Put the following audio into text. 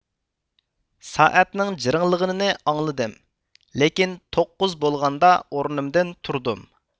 سائەتنىڭ جىرىڭلىغىننى ئاڭلىدىم لېكىن توققۇز بولغاندا ئورنۇمدىن تۇردۇم